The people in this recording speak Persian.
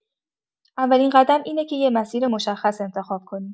اولین قدم اینه که یه مسیر مشخص انتخاب کنی.